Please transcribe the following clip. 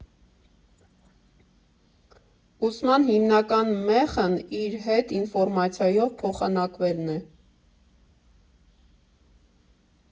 Ուսման հիմնական մեխն իրար հետ ինֆորմացիայով փոխանակվելն է։